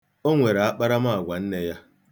O nwere akparaamaagwa nne ya.